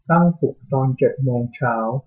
ตั้งปลุกตอนเจ็ดโมงเช้า